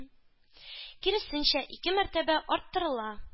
Киресенчә, ике мәртәбә арттырыла.